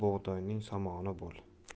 bug'doyning somoni bo'l